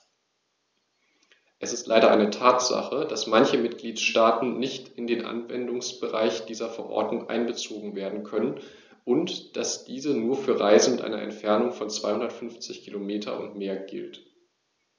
Es ist leider eine Tatsache, dass manche Mitgliedstaaten nicht in den Anwendungsbereich dieser Verordnung einbezogen werden können und dass diese nur für Reisen mit einer Entfernung von 250 km oder mehr gilt.